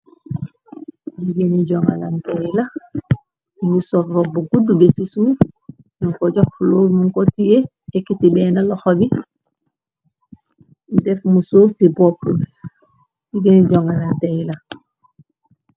Yi gëni jongalamteey la, yi ngi sof robb gudd be ci suf, nun ko jox flour munkotie, ekiti benn loxo bi, def mu soof ci bopp b, yi geni jonalantey la.